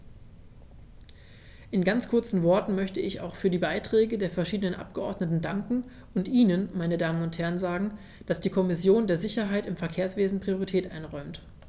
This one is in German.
In ganz kurzen Worten möchte ich auch für die Beiträge der verschiedenen Abgeordneten danken und Ihnen, meine Damen und Herren, sagen, dass die Kommission der Sicherheit im Verkehrswesen Priorität einräumt.